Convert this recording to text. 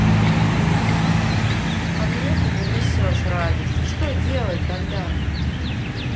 а мне ты не несешь радость что делать тогда